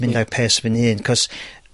mynd a'r pace fy'n hun, 'c'os